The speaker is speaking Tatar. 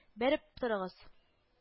Бәреп торыгыз